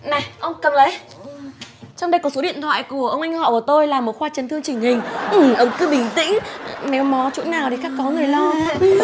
này ông cầm lấy trong đây có số điện thoại của ông anh họ của tôi làm ở khoa chấn thương chỉnh hình ừ ông cứ bình tĩnh méo mó chỗ nào thì khắc có người lo